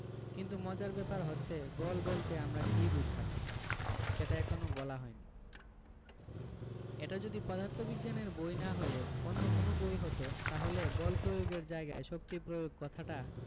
কিন্তু মজার ব্যাপার হচ্ছে বল বলতে আমরা কী বোঝাই সেটা এখনো বলা হয়নি এটা যদি পদার্থবিজ্ঞানের বই না হয়ে অন্য কোনো বই হতো তাহলে বল প্রয়োগ এর জায়গায় শক্তি প্রয়োগ কথাটা